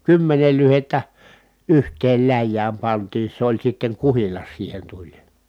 kymmenen lyhdettä yhteen läjään pantiin se oli sitten kuhilas siihen tuli